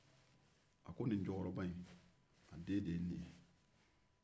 a ko nin cɛkɔrɔba in den de ye nin ye